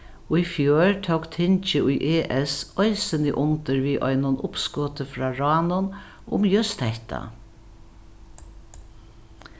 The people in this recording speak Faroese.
í fjør tók tingið í es eisini undir við einum uppskoti frá ráðnum um júst hetta